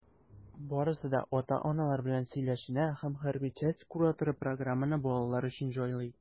Барысы да ата-аналар белән сөйләшенә, һәм хәрби часть кураторы программаны балалар өчен җайлый.